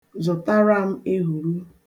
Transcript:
Zụtara m ehuru.